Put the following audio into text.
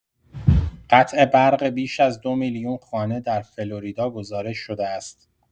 قطع برق بیش از ۲ میلیون خانه در فلوریدا گزارش شده است.